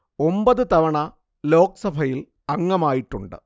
ഒമ്പത് തവണ ലോക് സഭയിൽ അംഗമായിട്ടുണ്ട്